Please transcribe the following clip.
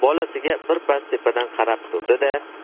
bolasiga birpas tepadan qarab turdi da